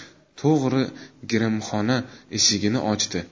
to'g'ri grimxona eshigini ochdi